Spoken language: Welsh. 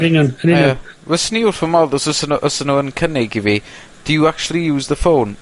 Yn union yn union. Ie fyswn i wrth fy modd os os o'n nw os o'n nw yn cynnig i fi do you actually use the phone?